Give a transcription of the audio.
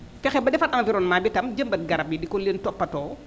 fexe ba defar environnement bi tam jëmbat garab yi di ko leen toppatoo